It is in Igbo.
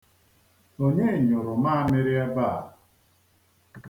Onye nyụrụ maamịrị ebe a?